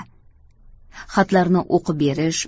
xatlarni o'qib berish